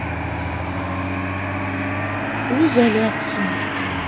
в изоляции